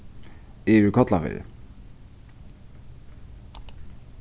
eg eri úr kollafirði